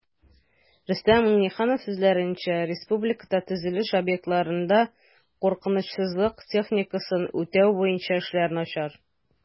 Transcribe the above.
Рөстәм Миңнеханов сүзләренчә, республикада төзелеш объектларында куркынычсызлык техникасын үтәү буенча эшләр начар